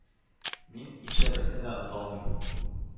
Мин исә берсен дә оныта алмыйм,